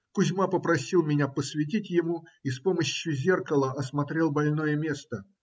Кузьма попросил меня посветить ему и с помощью зеркала осмотрел больное место.